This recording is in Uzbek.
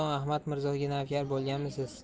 ahmad mirzoga navkar bo'lganmisiz